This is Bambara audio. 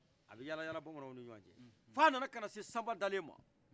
a bɛ yala yala bamananw ni ɲɔgɔn cɛ fo a nana ka na se saba dalen ma